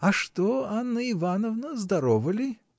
— А что Анна Ивановна, здорова ли?